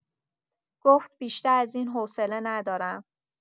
گفت بیشتر از این حوصله ندارم!